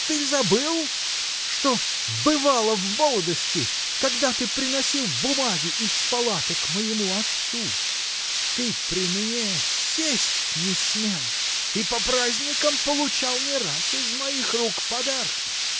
Ты забыл, что, бывало, в молодости, когда ты приносил бумаги из палаты к моему отцу, ты при мне сесть не смел и по праздникам получал не раз из моих рук подарки.